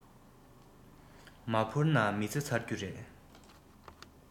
མ འཕུར ན མི ཚེ ཚར རྒྱུ རེད